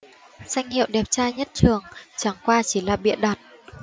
danh hiệu đẹp trai nhất trường chẳng qua chỉ là bịa đặt